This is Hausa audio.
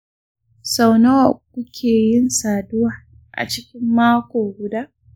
sau nawa kuke yin saduwa a cikin mako guda?